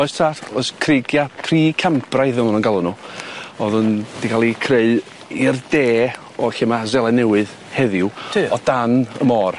Oes tad o's creigia pre-cambrian o'n n'w'n galw n'w o'dd yn di ca'l i creu i'r de o lle ma' Seland Newydd heddiw o dan y môr.